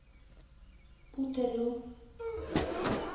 Үтерү